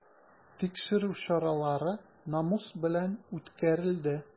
Тикшерү чаралары намус белән үткәрелде.